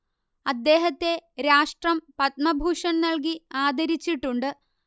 അദ്ദേഹത്തെ രാഷ്ട്രം പദ്മഭൂഷൻ നൽകി ആദരിച്ചിട്ടുണ്ട്